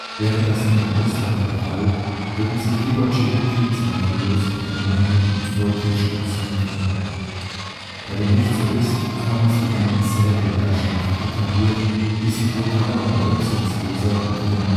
Wäre das in Russland der Fall, würden sich die Bolschewiki zweifellos auf eine Mehrheit im Volke stützen können. Da dem nicht so ist, haben sie eine Säbelherrschaft etabliert, wie sie brutaler und rücksichtsloser unter dem